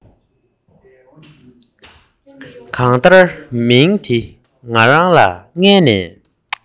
གང ལྟར མིང འདི ང རང མངལ ནས